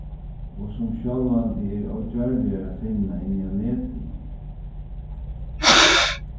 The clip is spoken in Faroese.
og sum sjálvandi eru ógjørligar at finna inni á netinum